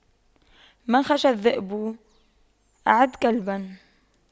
من خشى الذئب أعد كلبا